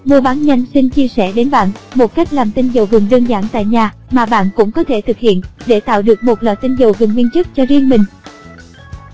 muabannhanh xin chia sẻ đến bạn một cách làm tinh dầu gừng đơn giản tại nhà mà bạn cũng có thể thực hiện để tạo được một lọ tinh dầu gừng nguyên chất cho riêng mình